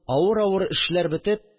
Авыр-авыр эшләр бетеп